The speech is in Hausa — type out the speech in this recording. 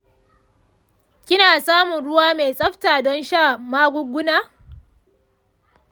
kina samun ruwa mai tsafta don shan magunguna?